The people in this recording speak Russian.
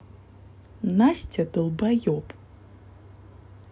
настя долбоеб